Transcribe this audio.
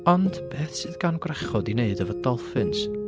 Ond beth sydd gan gwrachod i wneud efo dolphins?